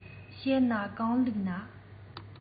བྱས ན གང བླུགས དང